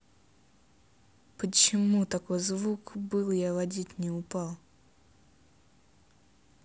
почему такой звук был я водить не упал